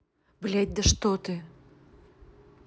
блядь да что ты